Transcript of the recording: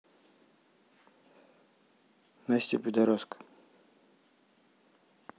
настя пидораска